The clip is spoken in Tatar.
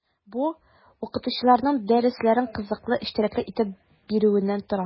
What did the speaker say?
Бу – укытучыларның дәресләрен кызыклы, эчтәлекле итеп бирүеннән тора.